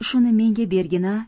shuni menga bergin a